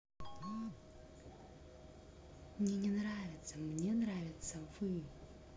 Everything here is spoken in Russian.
мне не нравится мне нравятся вы